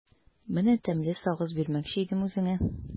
Менә тәмле сагыз бирмәкче идем үзеңә.